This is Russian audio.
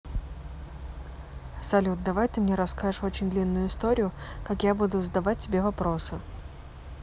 салют давай ты мне расскажешь очень длинную историю как я буду задавать тебе вопросы